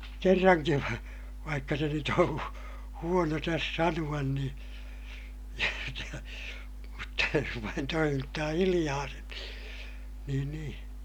kerrankin - vaikka se nyt on huono tässä sanoa niin mutta jos vain toimittaa hiljaa sen - niin niin